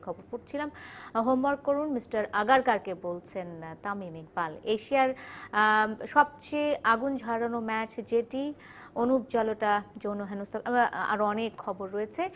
খবর পড়ছিলাম হোমওয়ার্ক করুন মিস্টার আগারকার কে বলছেন তামিম ইকবাল এশিয়ার সবচেয়ে আগুন ঝরানো ম্যাচ যেটি অনুপ জালোটা যৌন হেনস্থা আরো অনেক খবর রয়েছে